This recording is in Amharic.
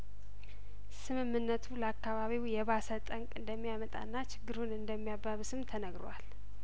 ስምምነቱ ለአካባቢው የባሰ ጠንቅ እንደሚያመጣና ችግሩን እንደሚያባብስም ተነግሯል